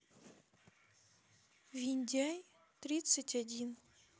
виндяй тридцать один